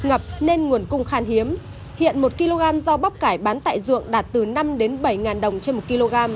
ngập nên nguồn cung khan hiếm hiện một ki lô gam rau bắp cải bán tại ruộng đạt từ năm đến bảy ngàn đồng trên một ki lô gam